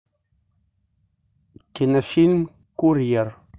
кинофильм курьер